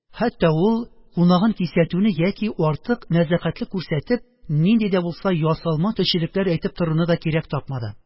Хәтта ул кунагын кисәтүне яки, артык нәзакәтлелек күрсәтеп, нинди дә булса ясалма төчелекләр әйтеп торуны да кирәк тапмады.